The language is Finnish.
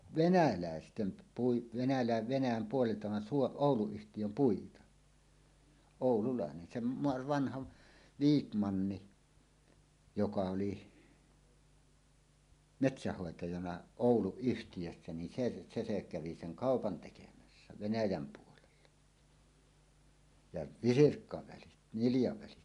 venäläisten - puita - Venäjän puolelta vaan - Ouluyhtiön puita oululainen sen - vanhan Viikmannin joka oli metsänhoitajana Ouluyhtiössä niin se se se kävi sen kaupan tekemässä Venäjän puolella ja visirkkavälit niljavälit